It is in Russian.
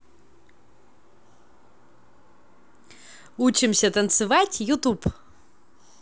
учимся танцевать youtube